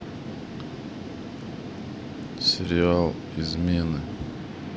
сериал измены